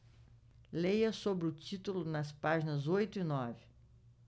leia sobre o título nas páginas oito e nove